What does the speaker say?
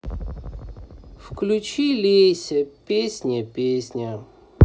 включи лейся песня песня